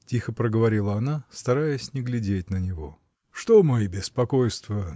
— тихо проговорила она, стараясь не глядеть на него. — Что мои беспокойства!